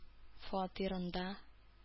Фатирында